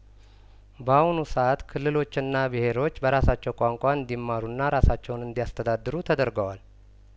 በአሁኑ ሰአት ክልሎችና ብሄሮች በራሳቸው ቋንቋ እንዲማሩና ራሳቸውን እንዲያስተዳድሩ ተደርገዋል